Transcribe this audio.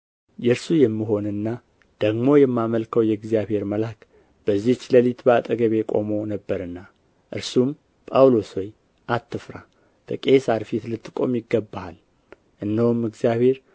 የእርሱ የምሆንና ደግሞ የማመልከው የእግዚአብሔር መልአክ በዚች ሌሊት በአጠገቤ ቆሞ ነበርና እርሱም ጳውሎስ ሆይ አትፍራ በቄሣር ፊት ልትቆም ይገባሃል እነሆም እግዚአብሔር